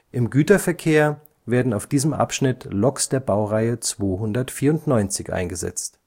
Im Güterverkehr werden auf diesem Abschnitt Loks der Baureihe 294 eingesetzt